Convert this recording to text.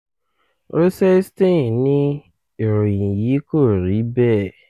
Rosenstein ní ìròyìn yí kò rí bẹ́ẹ̀.